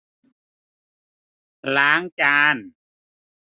ล้างจาน